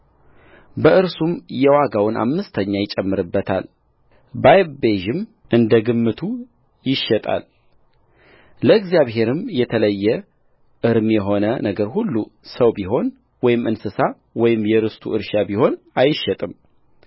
በእርሱም የዋጋውን አምስተኛ ይጨምርበታል ባይቤዠውም እንደ ግምቱ ይሸጣልለእግዚአብሔርም የተለየ እርም የሆነ ነገር ሁሉ ሰው ቢሆን ወይም እንስሳ ወይም የርስቱ እርሻ ቢሆን አይሸጥም